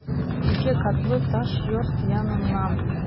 Ике катлы таш йорт яныннан...